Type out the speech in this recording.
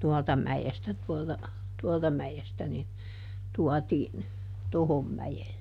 tuolta mäestä tuolta tuolta mäestä niin tuotiin tuohon mäelle